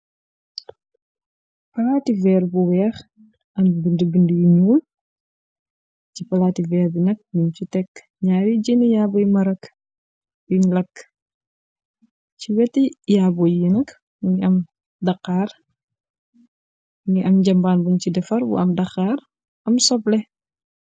palaati veer bu weex am bind-bind yu ñuul ci palati veer bi nag muñ ci tekk ñaar yi jëni yaabu y marag yuñ lakk ci weti yaabu yi nak mni am daxaar ni am jambaan buñ ci defar bu am daxaar am soble